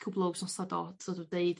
cwpl o wsnosa do? So't of deud...